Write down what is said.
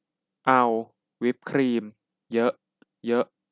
เอาวิปครีมเยอะเยอะ